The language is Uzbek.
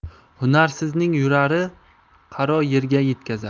hunarsizning yurari qaro yerga yetkazar